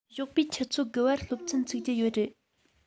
ཞོགས པའི ཆུ ཚོད དགུ པར སློབ ཚན ཚུགས ཀྱི ཡོད རེད